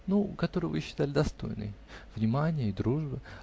ну, которую вы считали достойной. внимания и дружбы.